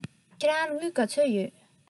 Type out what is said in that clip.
ཁྱེད རང ལ དངུལ ག ཚོད ཡོད